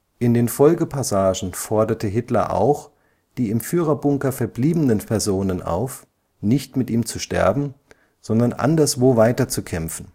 In den Folgepassagen forderte Hitler auch die im Führerbunker verbliebenen Personen auf, nicht mit ihm zu sterben, sondern anderswo weiterzukämpfen